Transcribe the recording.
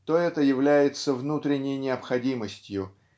то это является внутренней необходимостью